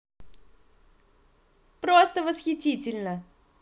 просто восхитительно